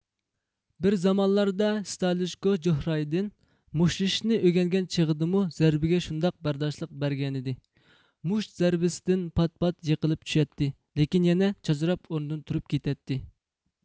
بىر زامانلاردا ستالىژكو جوھرايدىن مۇشتلىشىشنى ئۆگەنگەن چېغىدىمۇ زەربىگە شۇنداق بەرداشلىق بەرگەنىدى مۇشت زەربىسىدىن پات پات يىقىلىپ چۈشەتتى لېكىن يەنە چاچراپ ئورنىدىن تۇرۇپ كېتەتتى